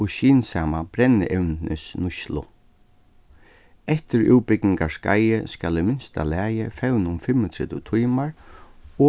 og skynsama brennievnisnýtslu eftirútbúgvingarskeiðið skal í minsta lagi fevna um fimmogtretivu tímar